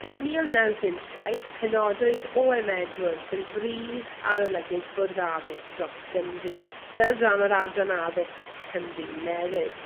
Yn mil naw dim saith, penodwyd Owe Em Edwards yn brif arolygydd Bwrdd Addysg dros Gymru, fel ran o'r Adran Addysg Cymru Newydd.